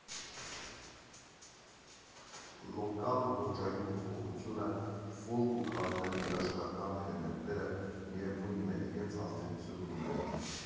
Լոկալ ոճային փոփոխությունը, ֆոլք ու քաղաքային երաժշտական էլեմենտները, միևնույն է, իրենց ազդեցությունն ունեն։